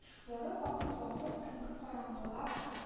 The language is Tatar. Бары вакыт-вакыт, төнге караңгылак